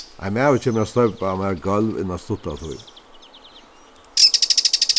ein maður kemur at stoypa mær gólv innan stutta tíð